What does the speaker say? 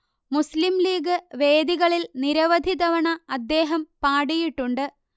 മുസ്ലീം ലീഗ് വേദികളിൽ നിരവധി തവണ അദ്ദേഹം പാടിയിട്ടുണ്ട്